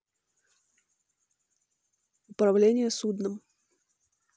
управление судном